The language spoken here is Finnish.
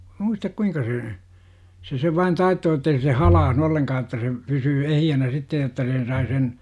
muistaa kuinka se se sen vain taittoi että ei se halkaissut ollenkaan että se pysyy ehjänä sitten jotta sen sai sen